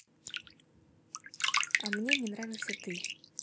а мне не нравишься ты